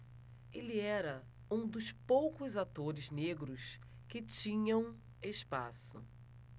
ele era um dos poucos atores negros que tinham espaço